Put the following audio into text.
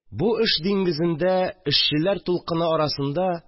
Бу эш диңгезендә, эшчеләр дулкыны арасында